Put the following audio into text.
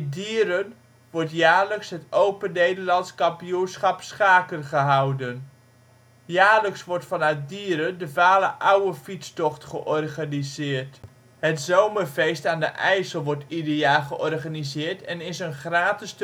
Dieren wordt jaarlijks het Open Nederlands Kampioenschap schaken gehouden. Jaarlijks wordt vanuit Dieren de Vale Ouwe fietstocht georganiseerd. Het Zomerfeest aan de IJssel wordt ieder jaar georganiseerd en is een gratis